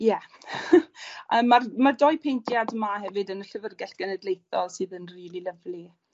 Ie. A ma'r ma'r dou paentiad 'ma hefyd yn y Llyfrgell Genedlaethol sydd yn rili lyfli.